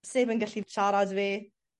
sneb yn gallu siarad i fi